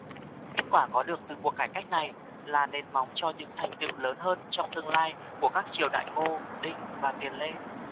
kết quả có được từ cuộc cải cách này là nền móng cho những thành tựu lớn hơn trong tương lai của các triều đại ngô đinh và tiền lê